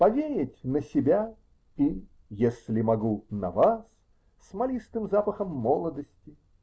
повеять на себя и, если могу, на вас смолистым запахом молодости.